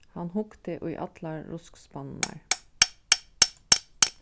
hann hugdi í allar ruskspannirnar